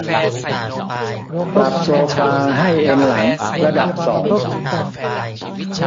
ปรับโซฟาให้เอนหลังระดับสอง